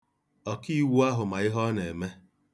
Ọkiiwu ahụ ma ihe ọ na-eme.